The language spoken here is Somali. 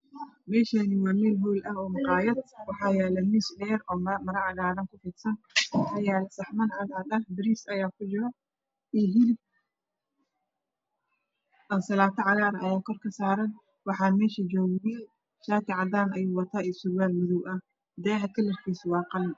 Meeshaani waa meel hool ah oo maqaayad waxaa yaalo miis dheer oo maro cagaaran ku fidsan saxaman cadcadaam bariis ayaa ku jiro iyo hilib ansalaato cagaar ayaa kor kasaaran waxa meesha joga wiil shaati cadaan surwaal madow daaha kalarkiisa waa qalin